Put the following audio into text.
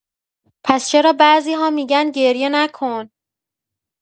پس چرا بعضی‌ها می‌گن گریه نکن؟